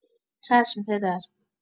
چشم پدر